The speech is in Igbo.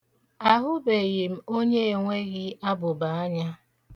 Ahụbeghị m onye enweghị abụbaanya.